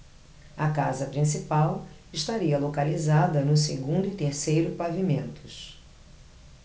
a casa principal estaria localizada no segundo e terceiro pavimentos